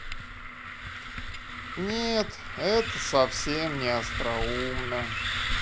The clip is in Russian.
нет это совсем не остроумно